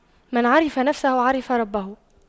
من عرف نفسه عرف ربه